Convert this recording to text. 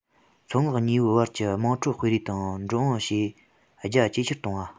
མཚོ ངོགས གཉིས པོའི བར གྱི དམངས ཁྲོད སྤེལ རེས དང འགྲོ འོང བྱེད རྒྱ ཇེ ཆེར གཏོང བ